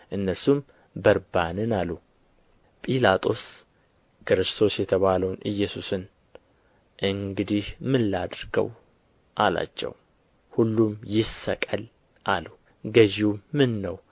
እነርሱም በርባንን አሉ ጲላጦስ ክርስቶስ የተባለውን ኢየሱስን እንግዲህ ምን ላድርገው አላቸው ሁሉም ይሰቀል አሉ ገዢውም ምን ነው